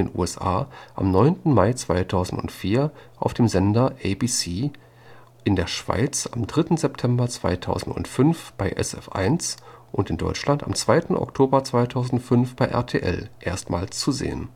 USA am 9. Mai 2004 auf dem Sender ABC, in der Schweiz am 3. September 2005 bei SF 1 und in Deutschland am 2. Oktober 2005 bei RTL erstmals zu sehen